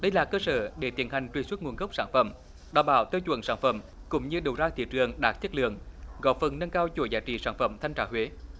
đây là cơ sở để tiến hành truy xuất nguồn gốc sản phẩm đảm bảo tiêu chuẩn sản phẩm cũng như đầu ra thị trường đạt chất lượng góp phần nâng cao chuỗi giá trị sản phẩm thanh trà huế